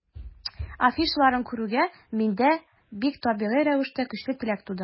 Афишаларын күрүгә, миндә бик табигый рәвештә көчле теләк туды.